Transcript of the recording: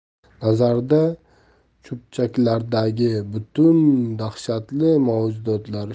nazarida cho'pchaklardagi butun dahshatli mavjudotlar